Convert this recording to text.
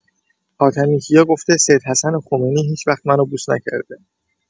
حاتمی‌کیا گفته سیدحسن خمینی هیچوقت منو بوس نکرده!